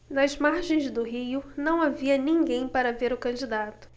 nas margens do rio não havia ninguém para ver o candidato